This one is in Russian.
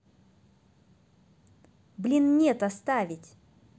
блин нет оставить